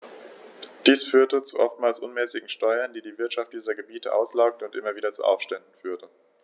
Dies führte zu oftmals unmäßigen Steuern, die die Wirtschaft dieser Gebiete auslaugte und immer wieder zu Aufständen führte.